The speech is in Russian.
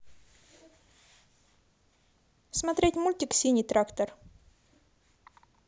смотреть мультик синий трактор